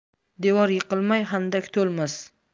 devor yiqilmay handak to'lmas